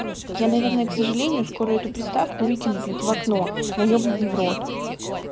я наверное к сожалению скоро эту приставку выкину блять в окно на ебаный в рот